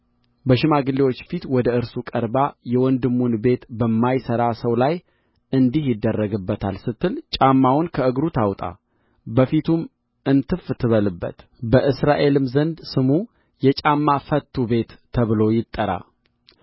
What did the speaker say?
በሽማግሌዎቹ ፊት ወደ እርሱ ቀርባ የወንድሙን ቤት በማይሠራ ሰው ላይ እንዲህ ይደረግበታል ስትል ጫማውን ከእግሩ ታውጣ በፊቱም እንትፍ ትበልበት በእስራኤልም ዘንድ ስሙ የጫማ ፈቱ ቤት ተብሎ ይጠራ